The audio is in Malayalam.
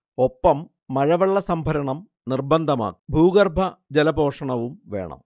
ഒപ്പം മഴവെള്ള സംഭരണം നിർബന്ധമാക്കണം ഭൂഗർഭജല പോഷണവും വേണം